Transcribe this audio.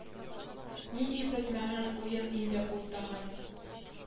Нинди бетмәгән уен инде ул тагын